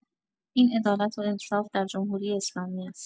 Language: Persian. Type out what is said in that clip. این عدالت و انصاف در جمهوری‌اسلامی است.